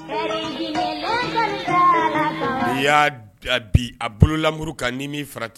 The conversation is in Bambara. N'i y'a a bi a bololamuru kan ni min farati